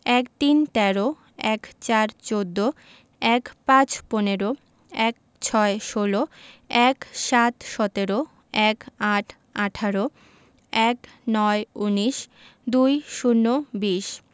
১৩ - তেরো ১৪ - চৌদ্দ ১৫ – পনেরো ১৬ - ষোল ১৭ - সতেরো ১৮ - আঠারো ১৯ - উনিশ ২০ - বিশ